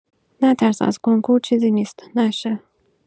نترس از کنکور چیزی نیست نشه.